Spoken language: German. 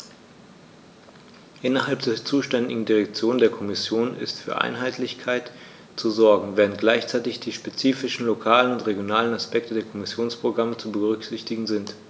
Innerhalb der zuständigen Direktion der Kommission ist für Einheitlichkeit zu sorgen, während gleichzeitig die spezifischen lokalen und regionalen Aspekte der Kommissionsprogramme zu berücksichtigen sind.